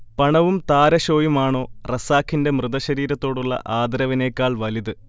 പണവും താരഷോയും ആണൊ റസാഖിന്റെ മൃതശരീരത്തോടുള്ള ആദരവിനെക്കാൾ വലുത്